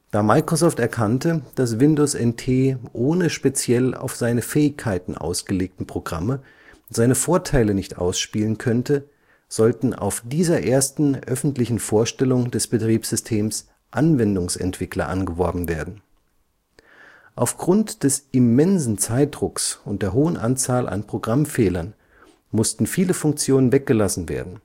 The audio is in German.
Da Microsoft erkannte, dass Windows NT ohne speziell auf seine Fähigkeiten ausgelegten Programme seine Vorteile nicht ausspielen könnte, sollten auf dieser ersten öffentlichen Vorstellung des Betriebssystems Anwendungsentwickler angeworben werden. Aufgrund des immensen Zeitdrucks und der hohen Anzahl an Programmfehlern mussten viele Funktionen weggelassen werden